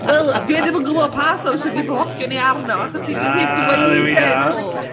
Wel, dyw e ddim yn gwybod pa socials i blocio ni arno achos ti ddim 'di dweud e 'to.